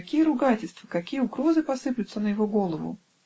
какие ругательства, какие угрозы посыплются на его голову!